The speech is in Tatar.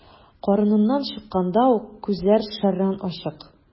Карыныннан чыкканда ук күзләр шәрран ачык.